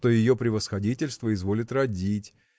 что ее превосходительство изволит родить